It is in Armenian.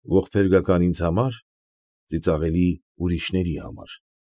Ողբերգական ինձ համար, ծիծաղելի ուրիշների համար։